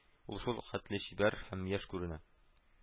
Ул шулхәтле чибәр һәм яшь күренә